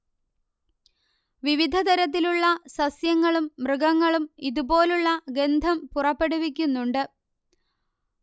വിവിധതരത്തിലുള്ള സസ്യങ്ങളും മൃഗങ്ങളും ഇതു പോലുള്ള ഗന്ധം പുറപ്പെടുവിക്കുന്നുണ്ട്